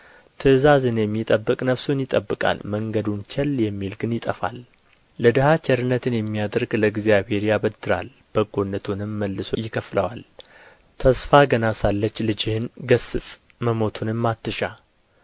ትእዛዝን የሚጠብቅ ነፍሱን ይጠብቃል መንገዱን ቸል የሚል ግን ይጠፋል ለድሀ ቸርነትን የሚያደርግ ለእግዚአብሔር ያበድራል በጎነቱንም መልሶ ይከፍለዋል ተስፋ ገና ሳለች ልጅህን ገሥጽ መሞቱንም አትሻ